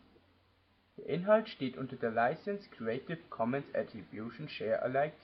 Inhalt steht unter der Lizenz Creative Commons Attribution Share Alike